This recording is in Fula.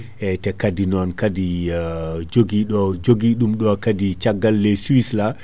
eyyi te kaadi non kaadi joguiɗo joogui ɗum ɗo kaadi caggal les Suisses la